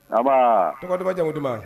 A tɔgɔ dumanbaja duman